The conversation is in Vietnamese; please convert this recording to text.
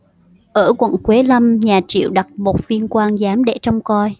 ở quận quế lâm nhà triệu đặt một viên quan giám để trông coi